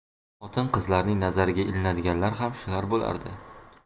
xotin qizlarning nazariga ilinadiganlar ham shular bo'lardi